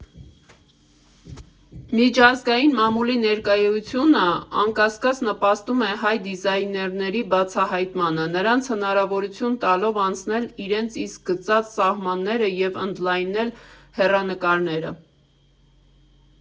Միջազգային մամուլի ներկայությունը, անկասկած, նպաստում է հայ դիզայներների բացահայտմանը, նրանց հնարավորություն տալով անցնել իրենց իսկ գծած սահմանները և ընդլայնել հեռանկարները։